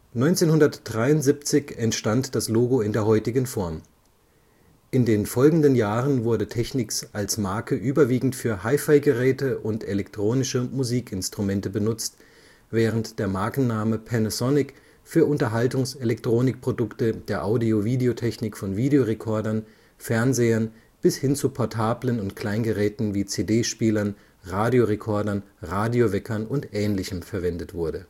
1973 entstand das Logo in der heutigen Form. In den folgenden Jahren wurde Technics als Marke überwiegend für Hifi-Geräte und elektronische Musikinstrumente benutzt, während der Markenname Panasonic für Unterhaltungselektronikprodukte der Audio -/ Videotechnik von Videorekordern, Fernsehern bis hin zu portablen und Kleingeräten wie CD-Spielern, Radiorekordern, Radioweckern und ähnlichem, verwendet wurde